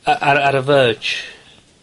Yy ar y ar y Verge.